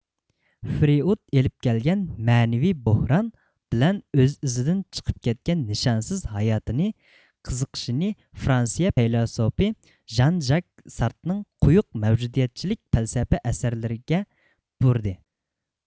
فرېئۇد ئېلىپ كەلگەن مەنىۋى بوھران بىلەن ئۆز ئىزىدىن چىقىپ كەتكەن نىشانسىز ھاياتىنى قىزىقىشىنى فرانسىيە پەيلاسوپى ژان ژاك سارتنىڭ قويۇق مەۋجۇدىيەتچىلىك پەلسەپە ئەسەرلىرىگە بۇرىدى